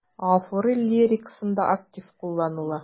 Гафури лирикасында актив кулланыла.